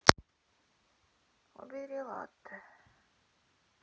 убери латте